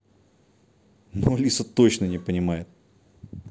но алиса ты точно не понимает